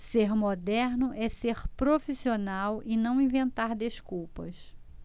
ser moderno é ser profissional e não inventar desculpas